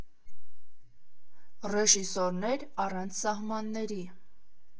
Ռեժիսորներ առանց սահմանների։